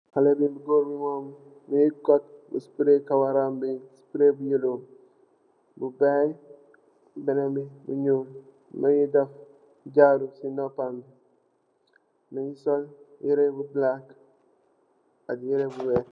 Xale bu goor bi momm mogi cut spray karawam bi spraybu yellow mo bai bene bi mu nuul mogi def jaaru si nopam bi mogi sol yereh bu black ak yereh bu weex.